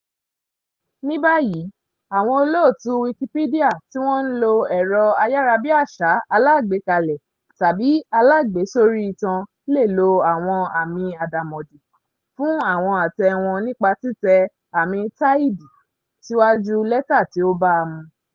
Ní báyìí àwọn olóòtú Wikipedia tí wọ́n ń lo ẹ̀rọ ayárabíàsá alágbèékalẹ̀ tàbí alágbèésóríitan le lo àwọn àmì àdàmọ̀dì fún àwọn àtẹ̀ wọn nípa títẹ àmì táìdì (~) síwájú lẹ́tà tí ó baamu.